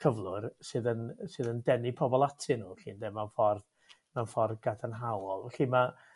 cyflwr sydd yn sydd yn denu pobl atyn nw 'lly ynde mewn ffor mewn ffordd gadarnhaol felly ma'